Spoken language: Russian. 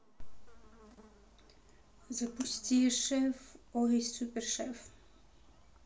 запусти шеф ой супер шеф